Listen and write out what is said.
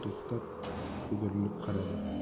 to'xtab o'girilib qaradi